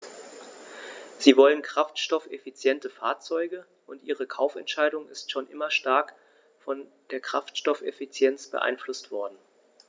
Sie wollen kraftstoffeffiziente Fahrzeuge, und ihre Kaufentscheidung ist schon immer stark von der Kraftstoffeffizienz beeinflusst worden.